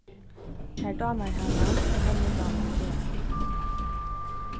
tær dámar hana og henni dámar teg